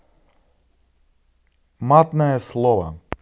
матное слово